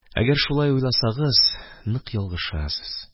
Әгәр шулай уйласагыз, нык ялгышасыз.